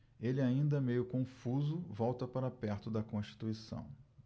ele ainda meio confuso volta para perto de constituição